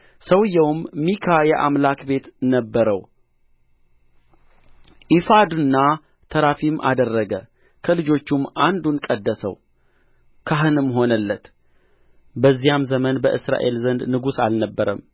ሰውዮውም ሚካ የአምላክ ቤት ነበረው ኤፉድና ተራፊም አደረገ ከልጆቹም አንዱን ቀደሰው ካህንም ሆነለት በዚያም ዘመን በእስራኤል ዘንድ ንጉሥ አልነበረም